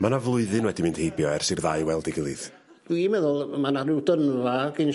Ma' 'na flwyddyn wedi mynd heibio ers i'r ddau weld ei gilydd. Dwi'n meddwl ma' 'na ryw dynfa gin...